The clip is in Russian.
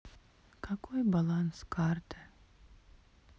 какой баланс карты